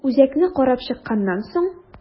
Үзәкне карап чыкканнан соң.